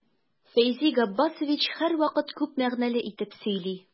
Фәйзи Габбасович һәрвакыт күп мәгънәле итеп сөйли.